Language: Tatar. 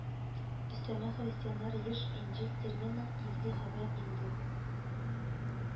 Өстәмә, христианнар еш инҗил терминның изге хәбәр ингл